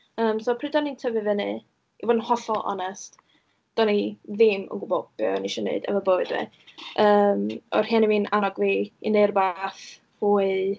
Yym, so pryd o'n i'n tyfu fyny, i fod yn hollol onest, o'n i ddim yn gwybod be o'n i isio wneud efo bywyd fi. Yym, oedd rhieni fi'n annog fi i wneud rwbath fwy...